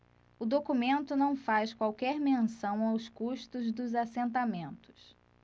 o documento não faz qualquer menção aos custos dos assentamentos